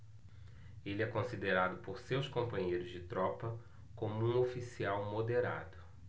ele é considerado por seus companheiros de tropa como um oficial moderado